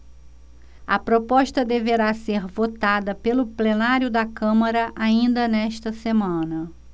a proposta deverá ser votada pelo plenário da câmara ainda nesta semana